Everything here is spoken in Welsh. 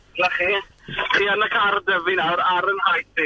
'Na chi, chi yn y car 'da fi nawr ar y'n nhaith i.